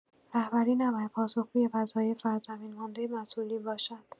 رهبری نباید پاسخگوی وظایف بر زمین مانده مسئولین باشد.